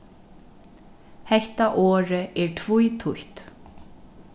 hetta orðið er tvítýtt